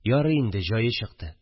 Ярый инде, җае чыкты